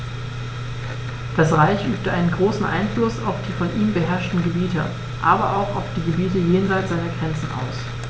Das Reich übte einen großen Einfluss auf die von ihm beherrschten Gebiete, aber auch auf die Gebiete jenseits seiner Grenzen aus.